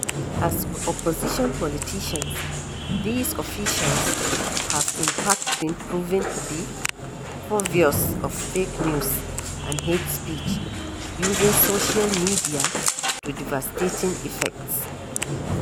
As opposition politicians, these officials have in fact been proven to be purveyors of fake news and hate speech, using social media to devastating effects.